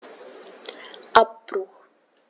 Abbruch.